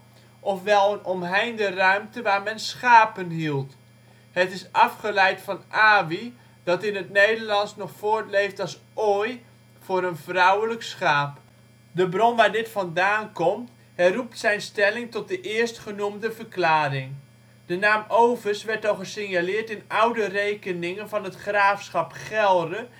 ofwel een omheinde ruim­te waar men schapen hield. Het is afgeleid van " awi " dat in het Nederlands nog voort­leeft als " ooi " voor een vrouwelijk schaap. De bron waar dit vandaan komt herroept zijn stelling tot de eerst genoemde verklaring. De naam " Oves " werd al gesignaleerd in oude rekeningen van het graafschap Gelre